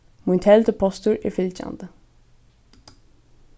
mín teldupostur er fylgjandi